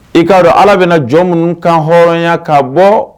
I k'a dɔ Ala bɛna jɔn minnu kan hɔrɔnya ka bɔɔ